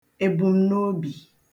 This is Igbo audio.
èbùmnobì